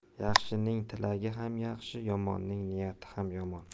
yaxshining tilagi ham yaxshi yomonning niyati ham yomon